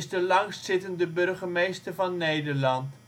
de langstzittende burgemeester van Nederland